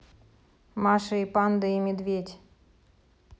маша и панда и медведь